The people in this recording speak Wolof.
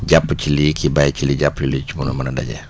jàpp ci lii kii bàyyi ci lii jàpp lii ci mën a mën a daje